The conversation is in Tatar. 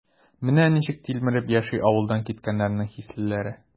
Менә ничек тилмереп яши авылдан киткәннәрнең хислеләре?